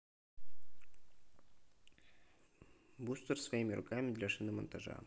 бустер своими руками для шиномонтажа